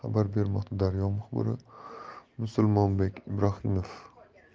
deya xabar bermoqda daryo muxbiri musulmonbek ibrohimov